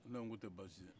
ne ko n ko tɛ baasi ye